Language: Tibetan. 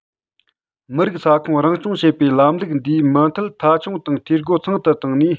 མི རིགས ས ཁོངས རང སྐྱོང བྱེད པའི ལམ ལུགས འདིས མུ མཐུད མཐའ འཁྱོངས དང འཐུས སྒོ ཚང དུ བཏང ནས